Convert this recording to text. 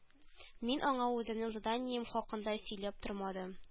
Мин аңа үземнең заданием хакында сөйләп тормадым